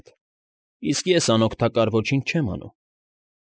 Հետ, իսկ ես անօգտակար ոչինչ չեմ անում։